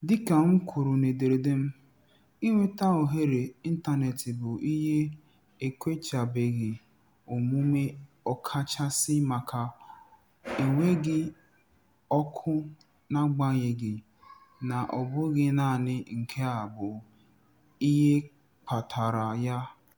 Dịka m kwuru n'ederede m [Fr], ịnweta ohere ịntanetị bụ ihe n'ekwechabeghị omume ọkachasị maka enweghị ọkụ n'agbanyeghị na ọbụghị naanị nke a bụ ihe kpatara ya.